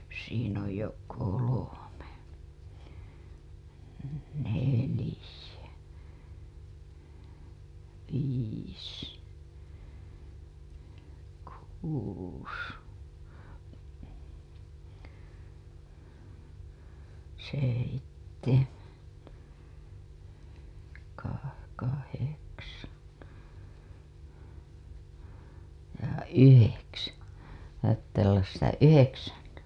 siinä on jo kolme neljä viis kuusi seitsemän - kahdeksan ja yhdeksän siinä pitää olla sitä yhdeksän